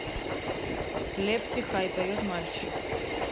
лепси хай поет мальчик